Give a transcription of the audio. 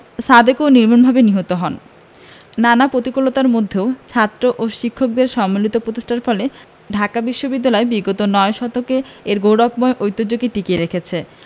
সাদেকও নির্মমভাবে নিহত হন নানা প্রতিকূলতার মধ্যেও ছাত্র ও শিক্ষকদের সম্মিলিত প্রচেষ্টার ফলে ঢাকা বিশ্ববিদ্যালয় বিগত নয় দশকে এর গৌরবময় ঐতিহ্যকে টিকিয়ে রেখেছে